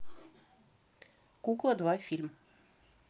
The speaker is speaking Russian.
кукла два фильм